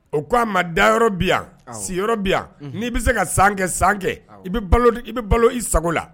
O k ko' a ma dayɔrɔ yɔrɔ bɛ yan si yɔrɔ bɛ yan n'i bɛ se ka san kɛ san kɛ i bɛ balo i bɛ balo i sago la